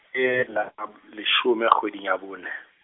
ke la leshome kgweding ya bone.